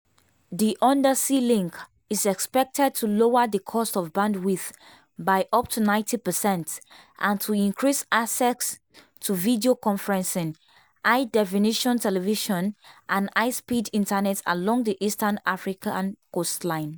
The undersea link is expected to lower the cost of bandwidth by up to 90 percent and to increase access to video conferencing, high definition television and high speed Internet along the eastern African coastline.